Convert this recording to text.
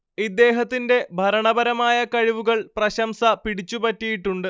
ഇദ്ദേഹത്തിന്റെ ഭരണപരമായ കഴിവുകൾ പ്രശംസ പിടിച്ചുപറ്റിയിട്ടുണ്ട്